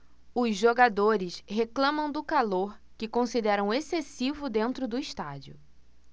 os jogadores reclamam do calor que consideram excessivo dentro do estádio